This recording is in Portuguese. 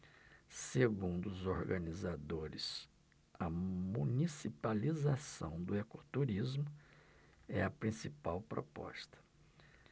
segundo os organizadores a municipalização do ecoturismo é a principal proposta